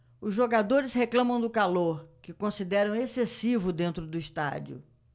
os jogadores reclamam do calor que consideram excessivo dentro do estádio